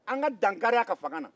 an ka dankari a ka fanga na